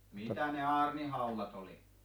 mitä ne aarnihaudat oli